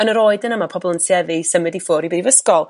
yn yr oed yna ma' pobol yn tueddu i symud i ffwr' i brifysgol